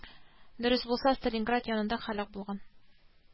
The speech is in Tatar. Дөрес булса сталингард янында һәлак булган